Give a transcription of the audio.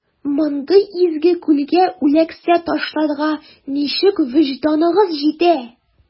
Мондый изге күлгә үләксә ташларга ничек вөҗданыгыз җитә?